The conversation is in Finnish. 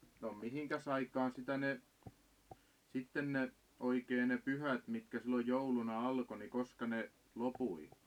no mihinkäs aikaan sitä ne sitten ne oikein ne pyhät mitkä silloin jouluna alkoi niin koska ne loppui